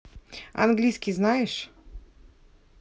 английский знаешь